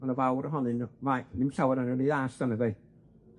o' 'na fawr ohonyn nw, mai, ddim llawer onyn nw yn 'i ddallt